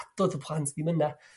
A do'dd y plant ddim yna.